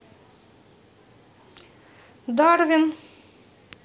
дарвин